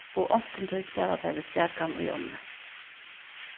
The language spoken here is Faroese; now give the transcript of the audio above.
og onkuntíð spæla teir við flakan í ánni